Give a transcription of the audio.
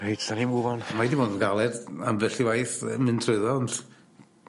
Reit 'dan ni move on. Mae 'di bod yn galed ambell i waith yn mynd trwyddo ond